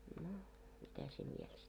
no mitä se vielä sitten